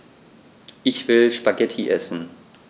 Ich will Spaghetti essen.